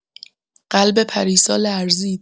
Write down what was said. قلب پریسا لرزید.